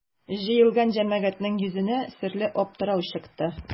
Җыелган җәмәгатьнең йөзенә серле аптырау чыкты.